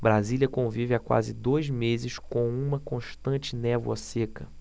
brasília convive há quase dois meses com uma constante névoa seca